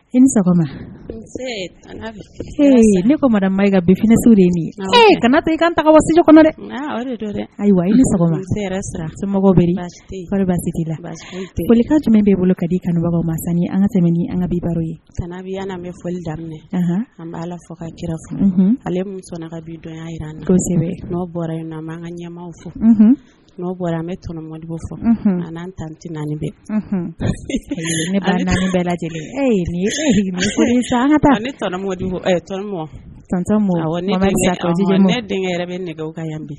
I ni ne ko kaso de dɛ ayiwa ikan tɛmɛn bɛ bolo ka di kanubagaw masa an tɛmɛ an ka bibaa ye fɔ lam an ala kira ka ɲa fɔ anmɔ fɔ ani an tan naani bɛ lajɛlen bɛ ka yan bi